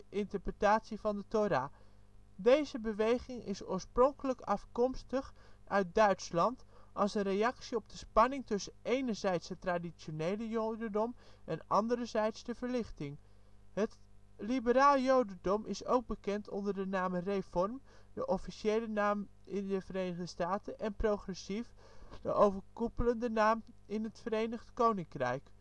interpretatie van de Thora. Deze beweging is oorspronkelijk afkomstig uit Duitsland, als een reactie op de spanning tussen enerzijds het traditionele jodendom en anderzijds de Verlichting. Het liberaal jodendom is ook bekend onder de namen “reform”, de officiële naam in de Verenigde Staten, en “progressief”, de overkoepelende naam in het Verenigd Koninkrijk